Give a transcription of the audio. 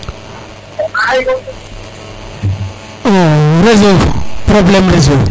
o réseau problème réseau